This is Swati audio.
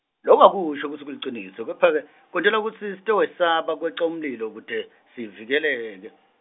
loku akusho kutsi kuliciniso, kepha kwe-, kwentelwa kutsi sitokwesaba kweca umlilo kute, sivikeleke.